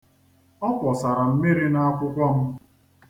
Ọ kwọsara mmiri n'akwụkwọ m.